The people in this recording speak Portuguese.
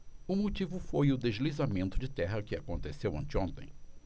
o motivo foi o deslizamento de terra que aconteceu anteontem